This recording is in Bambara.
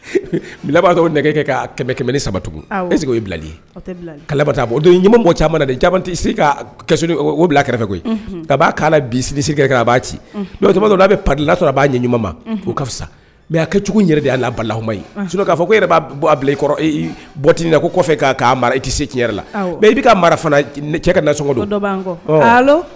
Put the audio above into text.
Saba bila don ɲuman bila kɛrɛfɛ koyi ka b'a b'a cidɔ n'a bɛ pa sɔrɔ b'a ɲɛ ɲuman ma fisa mɛ kɛcogo de y'a la balalahamaa fɔ e yɛrɛ b bila i kɔrɔ bɔt kɔfɛ k mara i tɛ se tiɲɛ yɛrɛ la i bɛ ka cɛ ka na